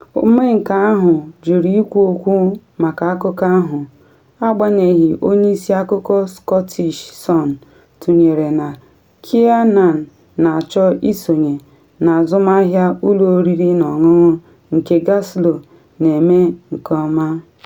Omenka ahụ jụrụ ikwu okwu maka akụkọ ahụ, agbanyeghị onye isi akụkọ Scottish Sun tụnyere na Kiernan na achọ isonye “n’azụmahịa ụlọ oriri na ọṅụṅụ nke Glasgow na eme nke ọma.”